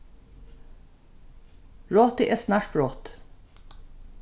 rotið er snart brotið